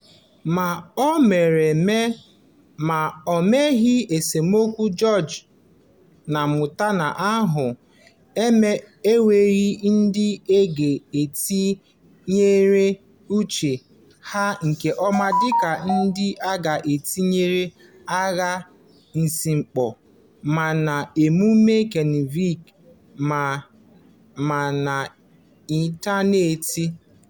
Ma o mere eme ma o meghị, esemokwu George/Montano ahụ nwere ndị na-ege ntị tinyere uche ha nke ọma dịka ndị na-ege ntị agha estempo, ma na emume Kanịva ma n'ịntaneetị.